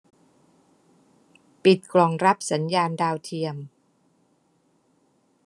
ปิดกล่องรับสัญญาณดาวเทียม